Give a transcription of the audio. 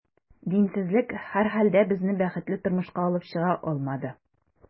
Динсезлек, һәрхәлдә, безне бәхетле тормышка алып чыга алмады.